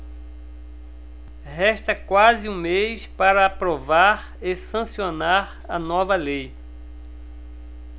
resta quase um mês para aprovar e sancionar a nova lei